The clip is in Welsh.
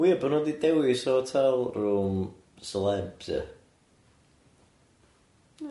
Weird bo' nhw'n di dewis y hotel room celebs ia.